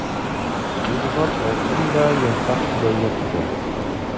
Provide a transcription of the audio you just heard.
Җыелган алтын да ясак түләүгә китә.